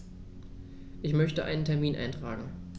Ich möchte einen Termin eintragen.